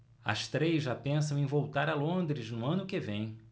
as três já pensam em voltar a londres no ano que vem